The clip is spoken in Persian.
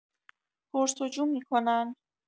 پرس‌وجو می‌کنن